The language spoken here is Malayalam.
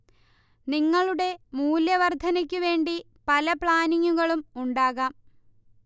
നിങ്ങളുടെ മൂല്യ വർദ്ധനക്ക് വേണ്ടി പല പ്ലാനിങ്ങുകളും ഉണ്ടാകാം